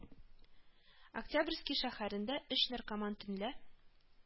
Октябрьский шәһәрендә өч наркоман төнлә